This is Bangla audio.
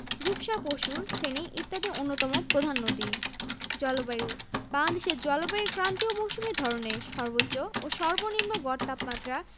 রূপসা পসুর ফেনী ইত্যাদি অন্যতম প্রধান নদী জলবায়ুঃ বাংলাদেশের জলবায়ু ক্রান্তীয় মৌসুমি ধরনের সর্বোচ্চ ও সর্বনিম্ন গড় তাপমাত্রা